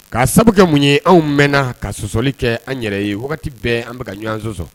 K'a sababu mun ye anw mɛnna ka sɔsɔli kɛ an yɛrɛ ye wagati bɛɛ an bɛka ka ɲɔgɔn sɔsɔ